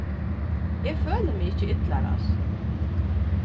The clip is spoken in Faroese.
eg føli meg ikki illa av hasum